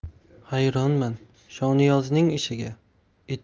hayronman shoniyozning ishiga etik